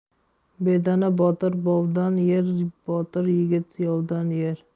bedana botir bovdan yer botir yigit yovdan yer